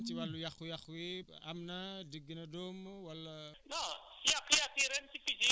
est ce que ren mun nañu am situation ren si wàllu yàqu-yàqu yi am na digg na dóomu wala